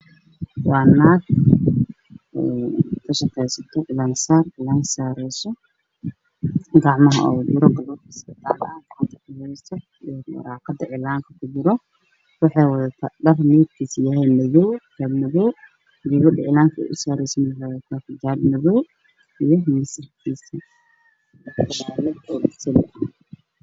Meeshani wax ka muuqdo naag cilaanka saarto wax gabar u saareysaa cilaan